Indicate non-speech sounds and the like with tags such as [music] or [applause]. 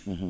[hesitation] [hesitation]